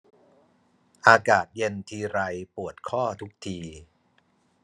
อากาศเย็นทีไรปวดข้อทุกที